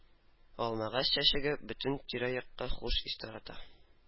Алмагач чәчәге бөтен тирә-якка хуш ис тарата.